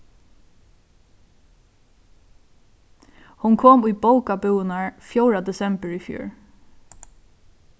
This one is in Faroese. hon kom í bókabúðirnar fjórða desembur í fjør